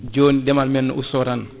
joni deemal men ne usto tan